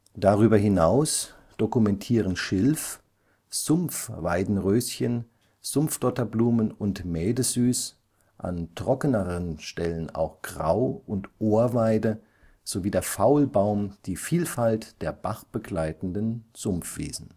Darüber hinaus dokumentieren Schilf, Sumpf-Weidenröschen, Sumpfdotterblumen und Mädesüß, an trockeneren Stellen auch Grau - und Ohr-Weide sowie der Faulbaum die Vielfalt der bachbegleitenden Sumpfwiesen